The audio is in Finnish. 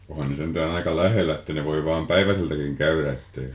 onhan ne sentään aika lähellä että ne voi vain päiväseltäkin käydä että ei